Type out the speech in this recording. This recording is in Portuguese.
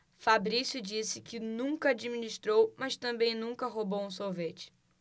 fabrício disse que nunca administrou mas também nunca roubou um sorvete